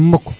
mukk